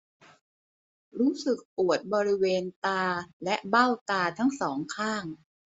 รู้สึกปวดบริเวณตาและเบ้าตาทั้งสองข้าง